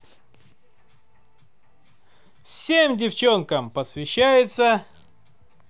всем девчонкам посвящается